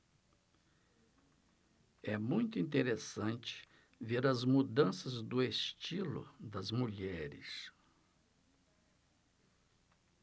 é muito interessante ver as mudanças do estilo das mulheres